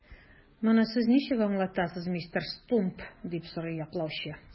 Моны сез ничек аңлатасыз, мистер Стумп? - дип сорый яклаучы.